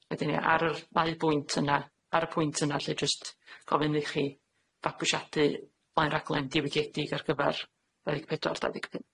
Wedyn ia, ar yr ddau bwynt yna- ar y pwynt yna lly jyst gofyn i chi fabwysiadu blaenraglen diwygiedig ar gyfar dau ddeg pedwar dau ddeg pump.